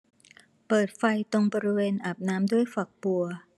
เปิดไฟตรงบริเวณอาบน้ำด้วยฝักบัว